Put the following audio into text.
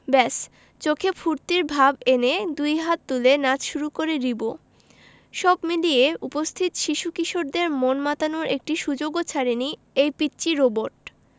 ব্যাস চোখে ফূর্তির ভাব এনে দুই হাত তুলে নাচ শুরু করে রিবো সব মিলিয়ে উপস্থিত শিশু কিশোরদের মন মাতানোর একটি সুযোগও ছাড়েনি এই পিচ্চি রোবট